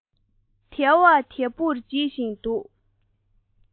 དལ བ དལ བུར འབྱིད བཞིན འདུག